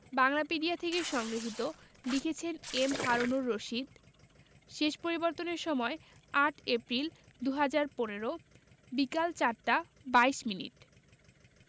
বাংলাপিডিয়া থেকে সংগ্রহীত লিখেছেন এম হারুনুর রশিদ শেষ পরিবর্তনের সময়ঃ ৮ এপ্রিল ২০১৫ বিকেল ৪টা ২২ মিনিট